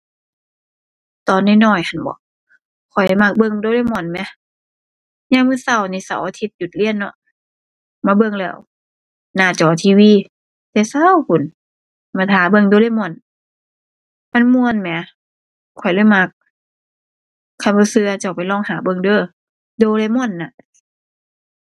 ตอนน้อยน้อยซั้นบ่ ข้อยมักเบิ่ง Doraemon แหม ยามมื้อเช้านี่เสาร์อาทิตย์หยุดเรียนเนาะ มาเบิ่งแล้วหน้าจอ TV แต่เช้าพู้น มาท่าเบิ่ง Doraemon มันม่วนแหม ข้อยเลยมัก คันบ่เช้าเจ้าไปลองหาเบิ่งเด้อ Doraemon น่ะ